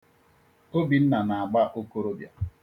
Obinna na-agba okorobịa.